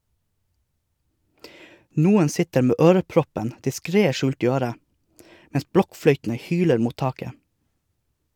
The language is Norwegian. Noen sitter med øreproppen diskret skjult i øret, mens blokkfløytene hyler mot taket.